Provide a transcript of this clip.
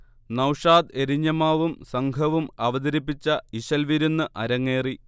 നൗഷാദ് എരഞ്ഞിമാവും സംഘവും അവതരിപ്പിച്ച ഇശൽവിരുന്ന് അരങ്ങേറി